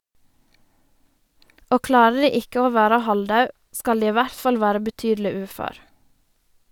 Og klarer de ikke å være halvdau, skal de i hvert fall være betydelig ufør.